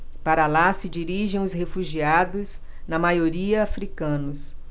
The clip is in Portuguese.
para lá se dirigem os refugiados na maioria hútus